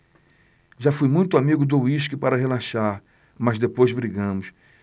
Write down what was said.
já fui muito amigo do uísque para relaxar mas depois brigamos